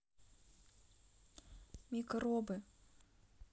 микробы